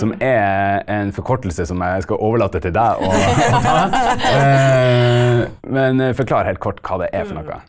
som er en forkortelse som jeg skal overlate til deg å å ta , men forklar helt kort hva det er for noe.